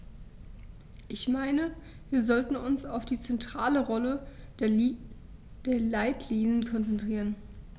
Ich meine, wir sollten uns auf die zentrale Rolle der Leitlinien konzentrieren.